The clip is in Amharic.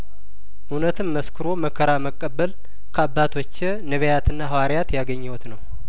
እውነትን መስክሮ መከራ መቀበል ከአባቶቼ ነቢያትና ሀዋሪያት ያገኘሁት ነው